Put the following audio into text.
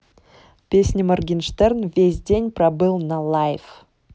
песня morgenshtern весь день пробыл на live